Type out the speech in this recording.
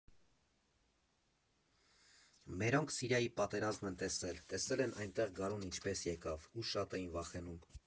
Մերոնք Սիրիայի պատերազմն են տեսել, տեսել են՝ այնտեղ գարունը ինչպես եկավ, ու շատ էին վախենում։